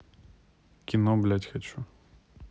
кино блять хочу